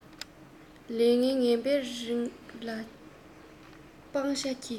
ལས ངན ངན པའི རིགས ལ སྤང བྱ གྱིས